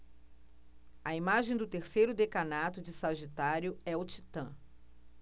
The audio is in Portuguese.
a imagem do terceiro decanato de sagitário é o titã